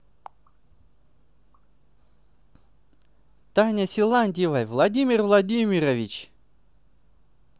таня силантьевой владимир владимирович